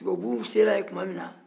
tubabw sera yen tuma minna